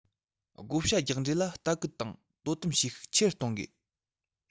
བགོ བཤའ རྒྱག འབྲས ལ ལྟ སྐུལ དང དོ དམ བྱེད ཤུགས ཆེ རུ གཏོང དགོས